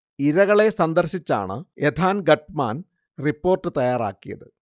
ഇരകളെ സന്ദർശിച്ചാണ് Ethan Gutmann report തയാറാക്കിയത്